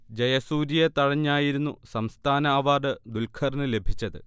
ജയസൂര്യയെ തഴഞ്ഞായിരുന്നു സംസ്ഥാന അവാർഡ് ദുല്ഖറിനു ലഭിച്ചത്